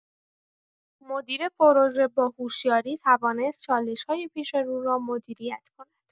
مدیر پروژه با هوشیاری توانست چالش‌های پیش‌رو را مدیریت کند.